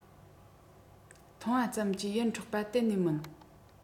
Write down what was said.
མཐོང བ ཙམ གྱིས ཡིད འཕྲོག པ གཏན ནས མིན